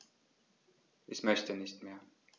Ich möchte nicht mehr.